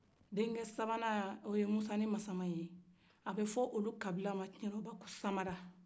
den cɛ sabanan o ye musa ni masaman ye a bɛ fɔ olu kabila ma ko samara